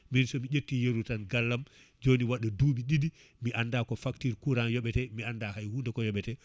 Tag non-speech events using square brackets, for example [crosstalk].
min somi ƴetti yeeru tan gallam [breath] joni waɗa duuɓi ɗiɗi mi anda fo facture courant yoɓete mi anda hay hunde ko yoɓete [breath]